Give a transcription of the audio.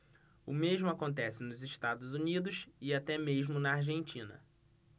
o mesmo acontece nos estados unidos e até mesmo na argentina